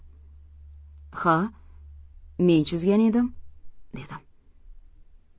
ha men chizgan edim dedim